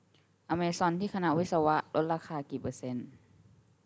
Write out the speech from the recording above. อเมซอนที่คณะวิศวะลดราคากี่เปอร์เซ็นต์